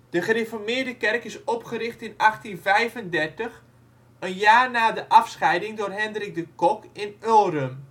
De Gereformeerde Kerk is opgericht in 1835, een jaar na de afscheiding door Hendrik de Cock in Ulrum